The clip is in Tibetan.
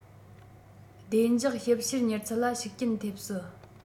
བདེ འཇགས ཞིབ བཤེར མྱུར ཚད ལ ཤུགས རྐྱེན ཐེབས སྲིད